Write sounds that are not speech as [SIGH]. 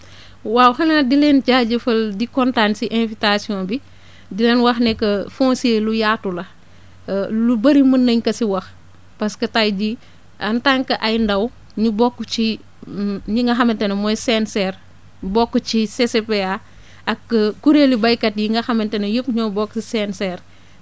[BREATH] waaw xanaa di leen jaajëfal di kontaan si invitation bi [BREATH] di leen wax ne que foncier lu yaatu la [HESITATION] lu bëri mën nañ ko si wax parce que tey jii en tant que ay ndaw ñu bokk ci [HESITATION] ñi nga xamante ne mooy CNCR bokk ci CCPA [BREATH] ak kuréelu béykat yi nga xamante ne yëpp ñoo bokk CNCR